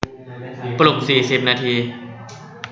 ปลุกสี่สิบนาที